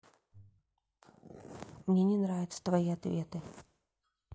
мне не нравятся твои ответы